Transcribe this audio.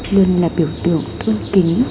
luôn là biểu tượng tôn kính